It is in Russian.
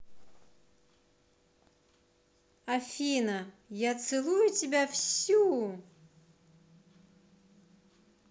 афина я целую тебя всю